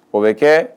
O bɛ kɛ